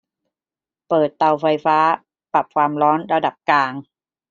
เปิดเตาไฟฟ้าปรับความร้อนระดับกลาง